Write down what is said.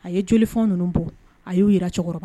A ye jolifɛn ninnu bɔ a y'u jira cɛkɔrɔba